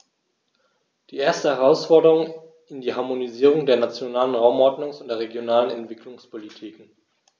Die erste Herausforderung ist die Harmonisierung der nationalen Raumordnungs- und der regionalen Entwicklungspolitiken.